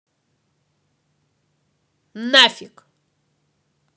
нафиг